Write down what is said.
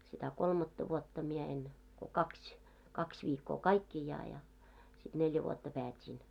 sitä kolmatta vuotta minä en kun kaksi kaksi viikkoa kaikkiaan ja sitten neljä vuotta päätin